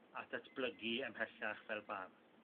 a datblygu ymhellach fel bardd.